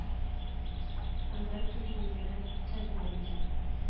Һәм бәлкем җиңелрәк тә булыр иде